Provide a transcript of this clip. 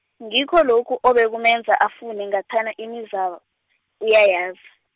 ngikho lokhu obekumenza afune ngathana imizabo, uyayazi.